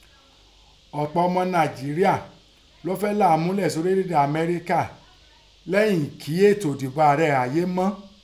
Ọ̀pọ̀ ọmọ Nàìjíríà lọ́ fẹ́ ẹ́ làa mú ielé sí orílẹ̀ èdè Kánádà lêyìn kí ètò ìdìbò ààrẹ ẹ́ háyé mọ́.